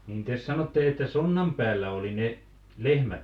niin te sanotte että sonnan päällä oli ne lehmät